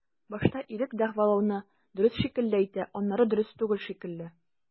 Башта ирек дәгъвалауны дөрес шикелле әйтә, аннары дөрес түгел шикелле.